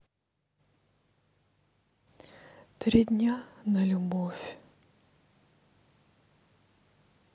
три дня на любовь